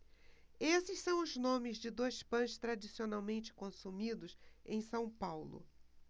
esses são os nomes de dois pães tradicionalmente consumidos em são paulo